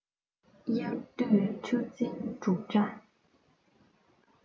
དབྱར དུས ཆུ འཛིན འབྲུག སྒྲ